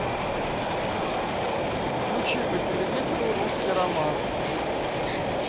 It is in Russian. включи по телевизору русский роман